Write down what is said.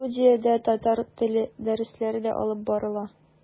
Студиядә татар теле дәресләре дә алып барыла.